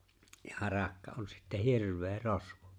ja harakka on sitten hirveä rosvo